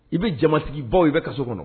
I bɛ jamasigi baw i bɛ ka so kɔnɔ